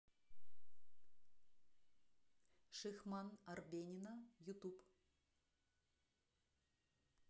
шихман арбенина ютуб